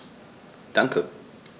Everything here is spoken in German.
Danke.